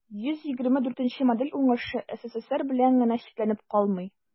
124 нче модель уңышы ссср белән генә чикләнеп калмый.